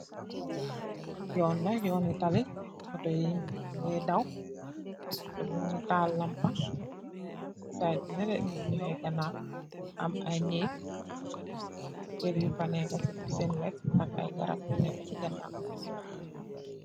Yoon la yoon yi tale auto yi ngay daw auto bi mogi taal lampax beneen bi side bi nele mogi joxee ganaw am ay néeg keur yu faneeko ci seen wet ak ay garab yu neko sen gannaaw.